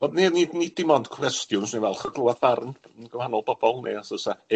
Wel, ni- nid dim ond cwestiwn, swn i'n falch i glwad barn gin gwahanol bobol, neu os o's 'a